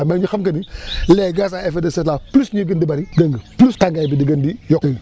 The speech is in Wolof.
mais ñu xam que ni les gaz à effet de serre là plus ñuy gën di bëri dégg nga plus tàngaay bi di gën di yokk